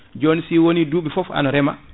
joni si woni duuɓi foof aɗa reema